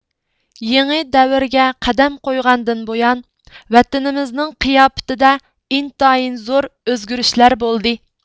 يېڭى دەۋرگە قەدەم قويغاندىن بۇيان ۋەتىنىمىزنىڭ قىياپىتىدە ئىنتايىن زور ئۆزگىرىشلەر بولدى